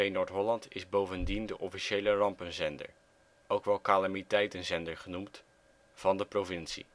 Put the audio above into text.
Noord-Holland is bovendien de officiële rampenzender (ook wel calamiteitenzender genoemd) van de provincie